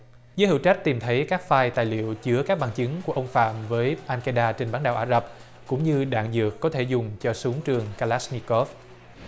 giới hữu trách tìm thấy các phai tài liệu chứa các bằng chứng của ông phạm với an ke đa trên bán đảo ả rập cũng như đạn dược có thể dùng cho súng trường ka lát ni cốt